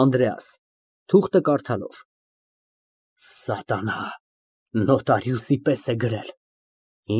ԱՆԴՐԵԱՍ ֊ (Թուղթը կարդալով)։ Սատանա, նոտարիուսի պես է գրել։